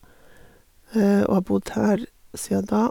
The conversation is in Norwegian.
Og har bodd her sia da.